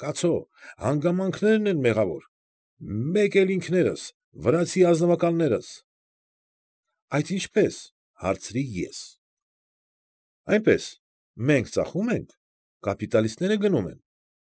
Կացո, հանգամանքներն են մեղավոր, մեկ էլ ինքներս, վրացի ազնվականներս։ ֊ Այդ ինչպե՞ս,֊ հարցրի ես։ ֊ Այնպես, մենք ծախում ենք, կապիտալիստները գնում են։